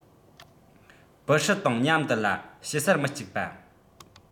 པུའུ ཧྲི དང མཉམ དུ ལ བཤད སར མི གཅིག པ